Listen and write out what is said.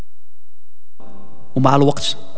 مع الوقت